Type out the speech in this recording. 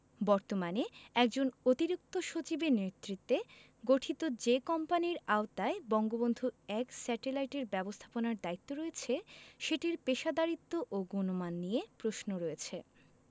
বর্তমানে একজন অতিরিক্ত সচিবের নেতৃত্বে গঠিত যে কোম্পানির আওতায় বঙ্গবন্ধু ১ স্যাটেলাইট এর ব্যবস্থাপনার দায়িত্ব রয়েছে সেটির পেশাদারিত্ব ও গুণমান নিয়ে প্রশ্ন রয়েছে